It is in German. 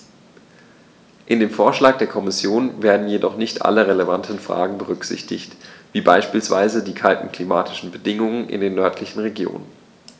In dem Vorschlag der Kommission werden jedoch nicht alle relevanten Fragen berücksichtigt, wie beispielsweise die kalten klimatischen Bedingungen in den nördlichen Regionen.